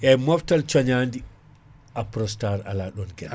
eyyi moftal coñadi Aprostar ala ɗon gueɗal